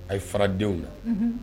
A ye fara denw na